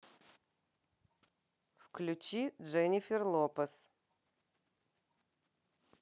включи дженнифер лопес